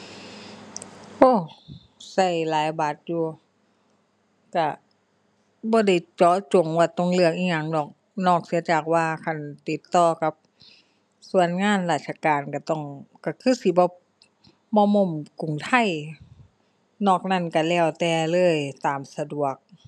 โอ้ ใช้หลายบาทอยู่ ใช้บ่ได้เจาะจงว่าต้องเลือกอิหยังดอก นอกเสียจากว่าคันติดต่อกับส่วนงานราชการใช้ต้อง ใช้คือสิบ่ บ่ม้มกรุงไทย นอกนั้นใช้แล้วแต่เลย ตามสะดวก